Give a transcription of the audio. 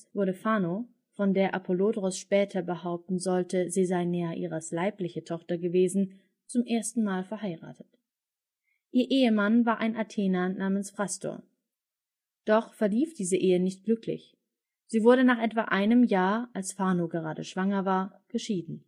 wurde Phano, von der Apollodoros später behaupten sollte, sie sei Neairas leibliche Tochter gewesen, zum ersten Mal verheiratet. Ihr Ehemann war ein Athener namens Phrastor. Doch verlief diese Ehe nicht glücklich, sie wurde nach etwa einem Jahr, als Phano gerade schwanger war, geschieden